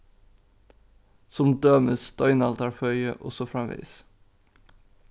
sum dømi steinaldarføði og so framvegis